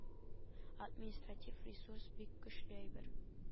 Административ ресурс бик көчле әйбер